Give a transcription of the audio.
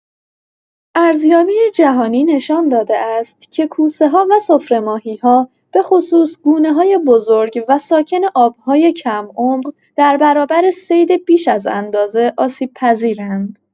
ارزیابی جهانی نشان داده است که کوسه‌ها و سفره‌ماهی‌ها، به‌خصوص گونه‌های بزرگ و ساکن آب‌های کم‌عمق، در برابر صید بیش از اندازه آسیب‌پذیرند.